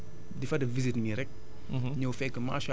di fa def visite nii rek